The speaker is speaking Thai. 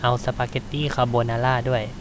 เอาสปาเก็ตตี้คาโบนาร่าด้วย